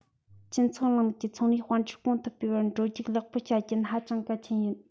སྤྱི ཚོགས རིང ལུགས ཀྱི ཚོང རའི དཔལ འབྱོར གོང དུ སྤེལ བར འགྲོ རྒྱུག ལེགས པོ བྱ རྒྱུ ནི ཧ ཅང གལ ཆེན ཡིན